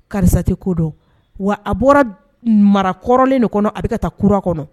Karisati ko dɔn wa a bɔra maraɔrɔnlen de kɔnɔ a bɛ ka taa k kura kɔnɔ